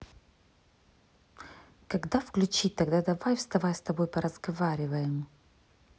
когда включить тогда давай вставай с тобой поразговариваем